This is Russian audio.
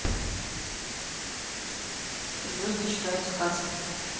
звезды читают сказки